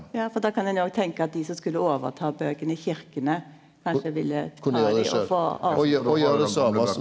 ja for då kan ein jo òg tenke at dei som skulle overta bøkene i kyrkjene kanskje ville ta dei og få .